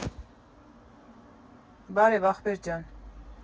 Բարև, ախպեր ջան։